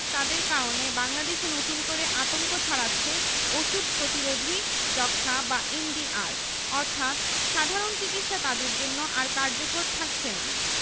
তাদের কারণে বাংলাদেশে নতুন করে আতঙ্ক ছড়াচ্ছে ওষুধ প্রতিরোধী যক্ষ্মা বা এমডিআর অর্থাৎ সাধারণ চিকিৎসা তাদের জন্য আর কার্যকর থাকছেনা